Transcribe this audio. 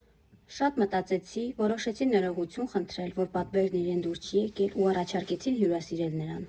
Շատ մտածեցի, որոշեցի ներողություն խնդրել, որ պատվերն իրեն դուր չի եկել ու առաջարկեցի հյուրասիրել նրան։